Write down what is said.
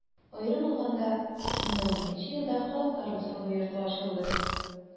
Аерым алаганда, 2012 нче елда Халыклар дуслыгы йорты ачылды.